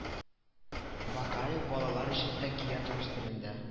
Багаев балалар өчен әкият рус телендә